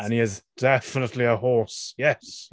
And he is definitely a horse, yes!